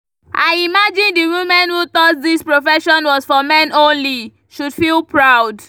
I imagine the women who thought this profession was for men only, should feel proud.